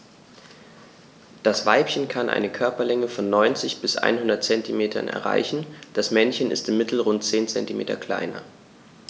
Das Weibchen kann eine Körperlänge von 90-100 cm erreichen; das Männchen ist im Mittel rund 10 cm kleiner.